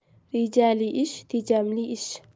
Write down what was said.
rejali ish tejamli ish